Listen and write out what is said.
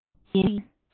རིང པོ ཡིན